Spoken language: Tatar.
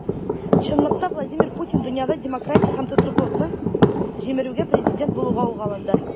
Чынлыкта Владимир Путин дөньяда демократия һәм тотрыклылыкны җимерүгә президент булуга ук алынды.